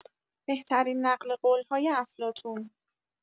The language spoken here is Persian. بهترین نقل‌قول‌های افلاطون